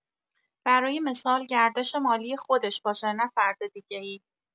برای مثال گردش مالی خودش باشه نه فرد دیگه‌ایی.